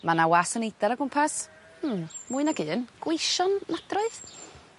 ma' 'na was y neidar o gwmpas hmm mwy nag un gweision nadroedd?